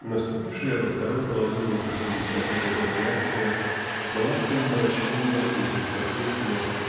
Наступившая во второй половине восьмидесятых годов реакция была тем мрачнее и беспросветнее